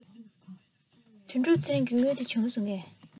དོན གྲུབ ཚེ རིང གི དངུལ དེ བྱུང སོང ངས